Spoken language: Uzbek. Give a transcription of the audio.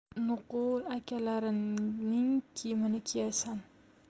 nuqul akalaringning kiyimini kiyasan